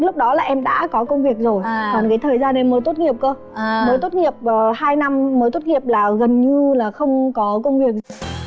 lúc đó là em đã có công việc rồi còn cái thời gian em mới tốt nghiệp cơ mới tốt nghiệp ơ hai năm mới tốt nghiệp là gần như là không có công việc